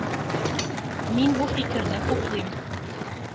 Мин бу фикерне хуплыйм.